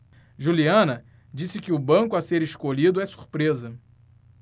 juliana disse que o banco a ser escolhido é surpresa